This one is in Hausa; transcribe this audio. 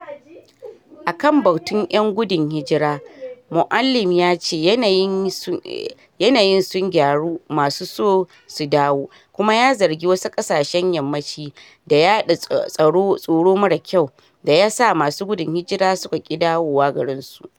Akan batun yan gudun hijira, Moualem ya ce yanayin sun gyaru masu so su dawo, kuma ya zargi “wasu ƙasashen yammaci” da “yada tsoro mara kyau” da yasa masu gudun hijira suka ƙi dawowa garinsu